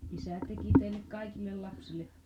isä teki teille kaikille lapsille